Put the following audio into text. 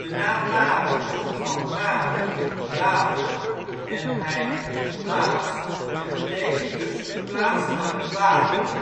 naam Marum komt van ' Mare ', water, en ' heim ', plaats, en betekent dus ' plaats aan het water